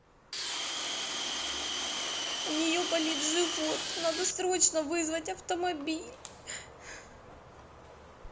у нее болит живот надо срочно вызвать автомобиль